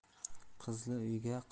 qizli uyni shoh